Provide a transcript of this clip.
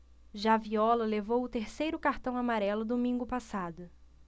já viola levou o terceiro cartão amarelo domingo passado